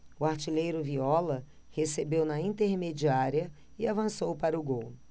o artilheiro viola recebeu na intermediária e avançou para o gol